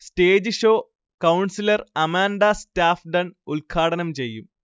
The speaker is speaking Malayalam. stage show councillor Amanda Stafdon ഉൽഘാടനം ചെയ്യും